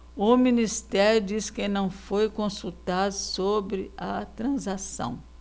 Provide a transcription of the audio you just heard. o ministério diz que não foi consultado sobre a transação